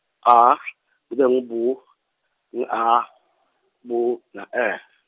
A, kube ngu bu, ngu A, bu na E.